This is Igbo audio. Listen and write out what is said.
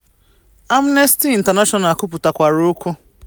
Amnesty International kwupụtakwara okwu.